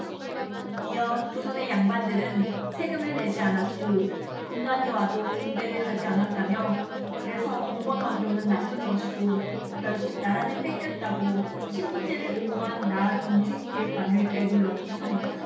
이어 조선의 양반들은 세금을 내지 않았고 국난이 와도 군대를 가지 않았다며 그래서 봉건왕조는 나쁜 것이고 결국 나라를 뺏겼다고 신분제를 옹호한 나 정책기획관을 에둘러 비판했다